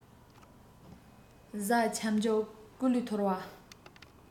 གཟའ ཁྱབ འཇུག སྐུ ལུས ཐོར བ